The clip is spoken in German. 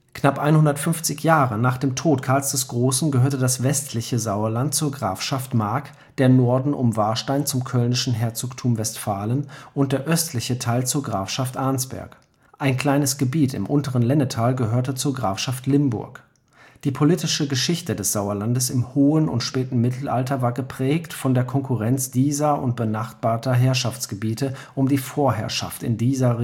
Knapp 150 Jahre nach dem Tod Karls des Großen gehörte das westliche Sauerland zur Grafschaft Mark, der Norden um Warstein zum kölnischen Herzogtum Westfalen und der östliche Teil zur Grafschaft Arnsberg. Ein kleines Gebiet im unteren Lennetal gehörte zur Grafschaft Limburg. Die politische Geschichte des Sauerlandes im hohen und späten Mittelalter war geprägt von der Konkurrenz dieser und benachbarter Herrschaftsgebiete um die Vorherrschaft in dieser